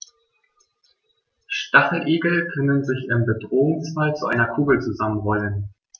Stacheligel können sich im Bedrohungsfall zu einer Kugel zusammenrollen.